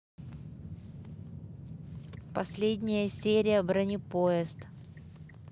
последняя серия бронепоезд